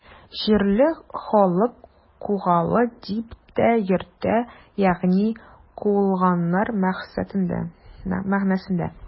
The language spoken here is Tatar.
Җирле халык Кугалы дип тә йөртә, ягъни “куылганнар” мәгънәсендә.